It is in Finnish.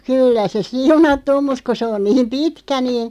- kyllä se siunattu on mutta kun se on niin pitkä niin